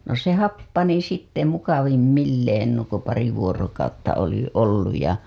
no se happani sitten mukavimmilleen niin kuin pari vuorokautta oli ollut ja